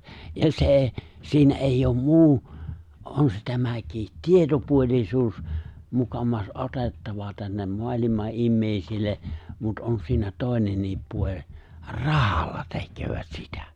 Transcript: ja se ei siinä ei ole muu on se tämäkin tietopuolisuus muka otettava tänne maailman ihmisille mutta on siinä toinenkin puoli rahalla tekevät sitä